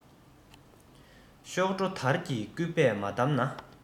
གཤོག སྒྲོ དར གྱིས སྐུད པས མ བསྡམས ན